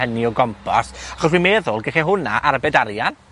hynny o gompos, 'chos wi meddwl gelle hwnna arbed arian